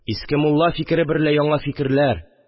Иске мулла фикере берлә яңа фикерләр